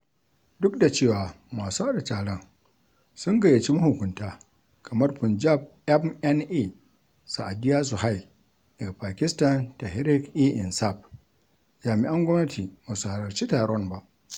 Duk da cewa masu haɗa taron sun gayyaci mahukunta, kamar Punjab MNA Saadia Sohail daga Pakistan Tehreek e Insaf, jami'an gwamnati ba su halarci taron ba.